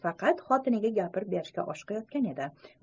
faqat xotiniga gapirib berishga oshiqayotgan edi